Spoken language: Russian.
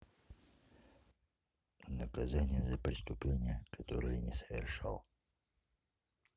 наказание за преступление которое не совершал